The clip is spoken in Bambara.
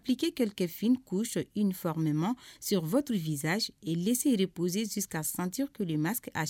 Pa ppike kɛrɛkefin kurusɔ i nifamɛma sorour viz lisisse de pozsisi ka santeur de mas a